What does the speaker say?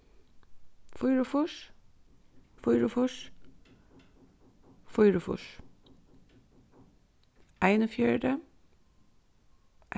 fýraogfýrs fýraogfýrs fýraogfýrs einogfjøruti